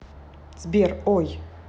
сбер ой